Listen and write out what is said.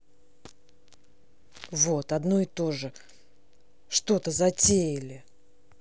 вот одно и то же что то затеяли